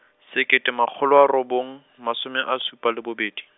sekete makgolo a robong, masome a supa le bobedi.